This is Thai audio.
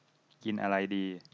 กินอะไรดี